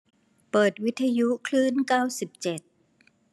เปิดวิทยุคลื่นเก้าสิบเจ็ด